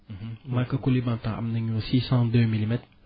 Màkka Koulibantang am nañu six cent deux milimètres